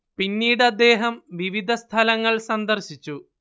പിന്നീട് അദ്ദേഹം വിവിധ സ്ഥലങ്ങൾ സന്ദർശിച്ചു